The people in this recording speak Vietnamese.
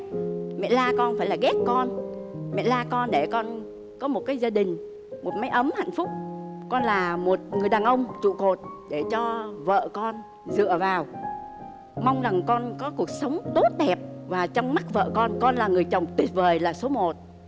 mẹ la con không phải là ghét con mẹ la con để con có một cái gia đình một mái ấm hạnh phúc con là một người đàn ông trụ cột để cho vợ con dựa vào mong rằng con có cuộc sống tốt đẹp và trong mắt vợ con con là người chồng tuyệt vời là số một